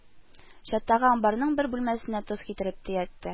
Чаттагы амбарының бер бүлмәсенә тоз китереп төятте